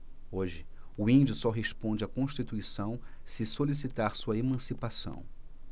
hoje o índio só responde à constituição se solicitar sua emancipação